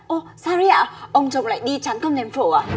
ô sao đấy ạ ông chồng lại đi chán cơm thèm phở à